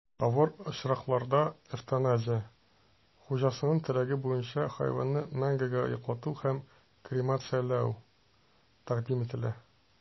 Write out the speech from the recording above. Авыр очракларда эвтаназия (хуҗасының теләге буенча хайванны мәңгегә йоклату һәм кремацияләү) тәкъдим ителә.